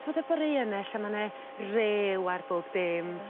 t'mod y boreae 'ne lle ma' 'ne rew ar bob dim